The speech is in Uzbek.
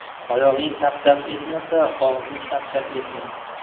oyog'ing tap tap etmasa og'zing shap shap etmaydi